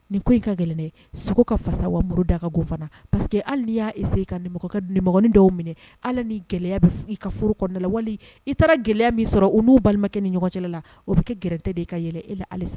Ni ko ka gɛlɛn segu ka fasa wa daka go fana parce que halii y'a kain dɔw minɛ ala ni gɛlɛya bɛ i ka furuɛ la wali i taara gɛlɛya min sɔrɔ u n'u balimakɛ ni ɲɔgɔncɛ la o bɛ kɛ gɛrɛte de' ka yɛlɛ e hali